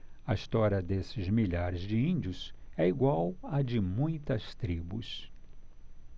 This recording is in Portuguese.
a história desses milhares de índios é igual à de muitas tribos